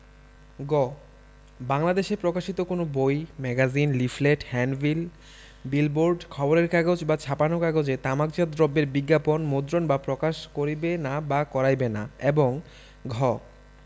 গ বাংলাদেশে প্রকাশিত কোন বই ম্যাগাজিন লিফলেট হ্যান্ডবিল বিলবোর্ড খবরের কাগজ বা ছাপানো কাগজে তামাকজাত দ্রব্যের বিজ্ঞাপন মুদ্রণ বা প্রকাশ করিবে না বা করাইবে না এবং ঘ